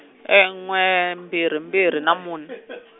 n'we mbirhi mbirhi na mune .